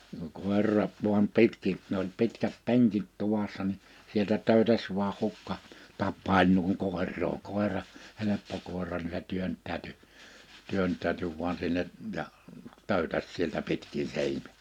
kun koira vain pitkin ne oli pitkät penkit tuvassa niin sieltä töytäsi vain hukka tapaili noin koiraa koira helppo koira niin se työntäytyi työntäytyi vain sinne ja töytäsi sieltä pitkin -